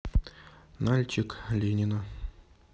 нальчик ленина